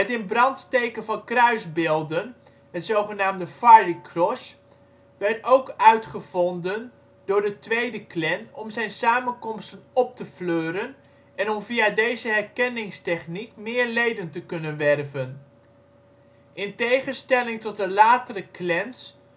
in brand steken van kruisbeelden, het zogenaamde Fiery Cross, werd ook uitgevonden door de tweede Klan om zijn samenkomsten op te fleuren en om via deze herkenningstechniek meer leden te kunnen werven. In tegenstelling tot de latere Klans, gebruikte